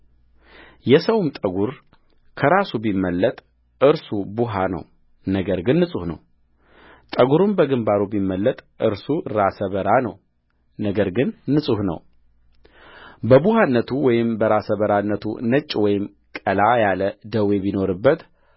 የሰውም ጠጕር ከራሱ ቢመለጥ እርሱ ቡሀ ነው ነገር ግን ንጹሕ ነውጠጕሩም ከግምባሩ ቢመለጥ እርሱ ራሰ በራ ነው ነገር ግን ንጹሕ ነውበቡሀነቱ ወይም በራሰ በራነቱ ነጭ ወይም ቀላ ያለ ደዌ ቢኖርበት